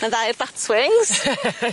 Ma'n dda i'r batwings.